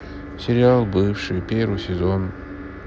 сериал бывшие первый сезон